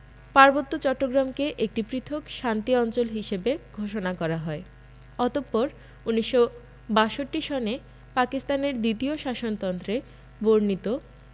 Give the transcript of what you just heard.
পার্বত্য চট্টগ্রামকে একটি পৃথক শান্তি অঞ্চল হিসেবে ঘোষণা করা হয় অতপর ১৯৬২ সনে পাকিস্তানের দ্বিতীয় শাসনতন্ত্রে বর্ণিত